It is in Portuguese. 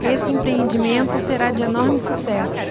esse empreendimento será de enorme sucesso